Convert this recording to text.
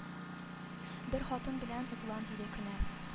Бер хатын белән углан диде кенәз